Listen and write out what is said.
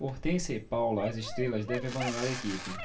hortência e paula as estrelas devem abandonar a equipe